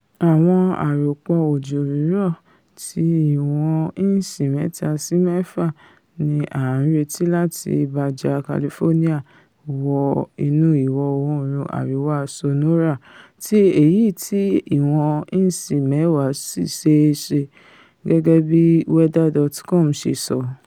Àwọn àropọ òjò-rírọ̀ ti ìwọn 3 sí 6 ni à ń retí láti Baja California wọ inú ìwọ̀-oòrùn àríwá Sonora tí èyití ìwọ̀n 10 sì ṣeé ṣe. gẹ́gẹ́ bí weather.com ṣe sọ.